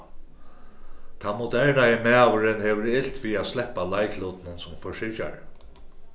tann modernaði maðurin hevur ilt við at sleppa leiklutinum sum forsyrgjari